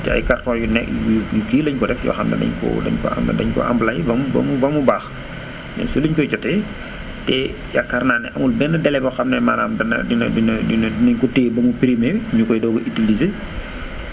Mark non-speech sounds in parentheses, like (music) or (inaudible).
ci ay carton yu ne yu kii lañ ko def yoo xam ne dañ koo dañ koo em dañ koo emballé ba mu ba mu baax (noise) ñun si lañ koy jotee (noise) te yaakaar naa ne amul benn délai boo xam ne maanaam dana dina dina dinañ ko téye ba mu périmé ñu koy doog a utilisé (noise)